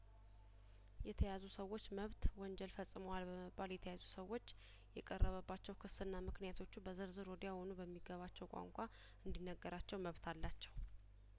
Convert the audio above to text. የተያዙ ሰዎች መብት ወንጀል ፈጽመዋል በመባል የተያዙ ሰዎች የቀረበባቸው ክስና ምክንያቶቹ በዝርዝር ወዲያውኑ በሚገባቸው ቋንቋ እንዲ ነገራቸው መብት አላቸው